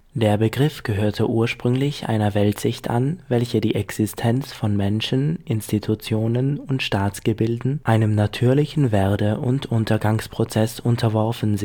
Der Begriff gehörte ursprünglich einer Weltsicht an, welche die Existenz von Menschen, Institutionen und Staatsgebilden einem natürlichen Werde - und Untergangsprozess unterworfen